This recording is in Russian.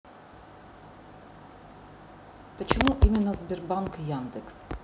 почему именно сбербанк яндекс